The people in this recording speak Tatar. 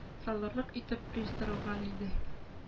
Салырлык итеп оештырылган иде